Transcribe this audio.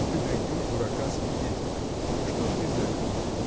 что ты найдешь дурака свидетеля – что ж из этого?